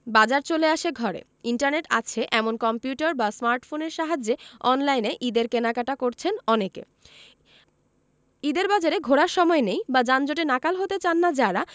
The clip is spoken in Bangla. বাজার চলে আসে ঘরে ইন্টারনেট আছে এমন কম্পিউটার বা স্মার্টফোনের সাহায্যে অনলাইনে ঈদের কেনাকাটা করছেন অনেকে ঈদের বাজারে ঘোরার সময় নেই বা যানজটে নাকাল হতে চান না যাঁরা